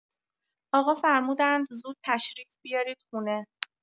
آقا فرمودند زود تشریف بیارید خونه.